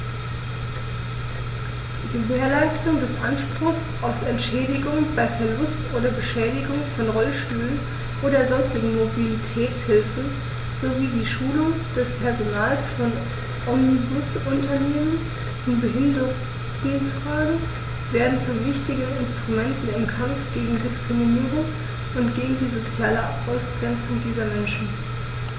Die Gewährleistung des Anspruchs auf Entschädigung bei Verlust oder Beschädigung von Rollstühlen oder sonstigen Mobilitätshilfen sowie die Schulung des Personals von Omnibusunternehmen in Behindertenfragen werden zu wichtigen Instrumenten im Kampf gegen Diskriminierung und gegen die soziale Ausgrenzung dieser Menschen.